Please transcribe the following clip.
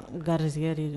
Garijɛgɛ de don